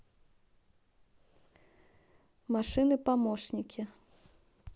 машины помощники